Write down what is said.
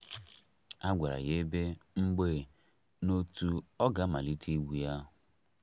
A gwara ya ebe , mgbe , na otu ọ ga-amalite igwu ya.